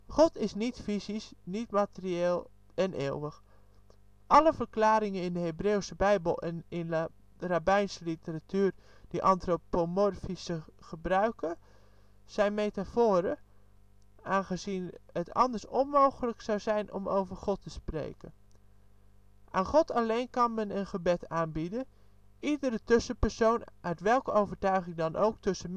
God is niet-fysisch, niet materieel en eeuwig. Alle verklaringen in de Hebreeuwse Bijbel en in rabbijnse literatuur die antropomorfisme gebruiken, zijn metaforen, aangezien het anders onmogelijk zou zijn om over God te spreken. Aan God alleen kan men een gebed aanbieden. Iedere tussenpersoon (uit welke overtuiging dan ook) tussen